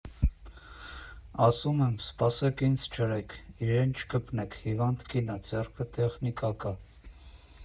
Ասում եմ՝ «Սպասեք, ինձ ջրեք, իրեն չկպնեք, հիվանդ կին ա, ձեռքը տեխնիկա կա»։